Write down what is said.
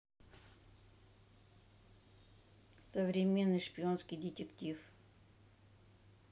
современный шпионский детектив